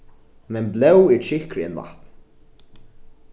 men blóð er tjykkri enn vatn